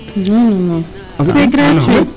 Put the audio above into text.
Non non s' est gratuit.